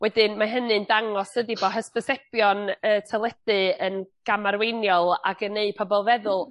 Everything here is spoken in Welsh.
Wedyn ma' hynny'n dangos ydi bo' hysbysebion y teledu yn gamarweiniol ag yn neu' pobol feddwl